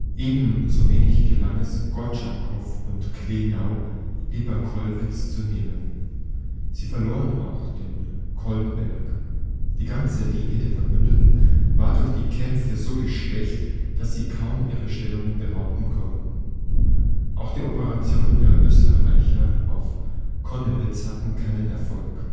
Ebenso wenig gelang es Gortschakow und Klenau, Liebertwolkwitz zu nehmen. Sie verloren auch den Kolmberg; die ganze Linie der Verbündeten war durch die Kämpfe so geschwächt, dass sie kaum ihre Stellungen behaupten konnten. Auch die Operationen der Österreicher auf Connewitz hatten keinen Erfolg